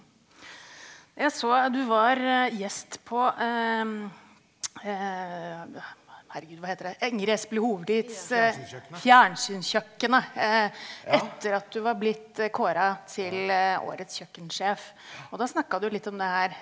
jeg så du var gjest på herregud hva heter det, Ingrid Espelid Hovigs fjernsynskjøkkenet etter at du var blitt kåra til årets kjøkkensjef, og da snakka du litt om det her.